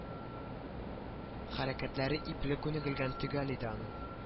Хәрәкәтләре ипле күнегелгән төгәл иде аның